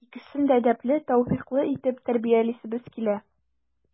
Икесен дә әдәпле, тәүфыйклы итеп тәрбиялисебез килә.